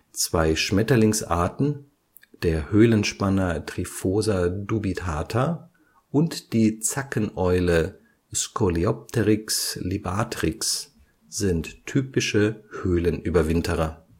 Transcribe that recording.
Zwei Schmetterlingsarten, der Höhlenspanner Triphosa dubitata und die Zackeneule Scoliopteryx libatrix, sind typische Höhlenüberwinterer